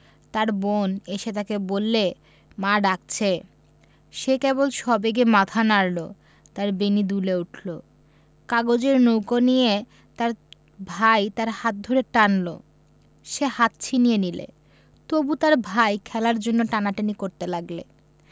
তার বোন এসে তাকে বললে মা ডাকছে সে কেবল সবেগে মাথা নাড়ল তার বেণী দুলে উঠল কাগজের নৌকো নিয়ে তার ভাই তার হাত ধরে টানল সে হাত ছিনিয়ে নিলে তবু তার ভাই খেলার জন্যে টানাটানি করতে লাগলে